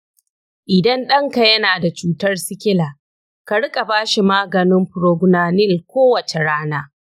idan ɗanka yana da cutar sikila, ka riƙa ba shi maganin proguanil kowace rana.